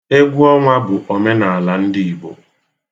Egwu ọnwa bụ omenala ndị Igbo.